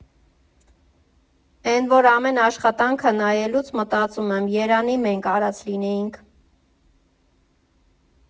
Էն որ ամեն աշխատանքը նայելուց մտածում եմ՝ երանի մենք արած լինեինք։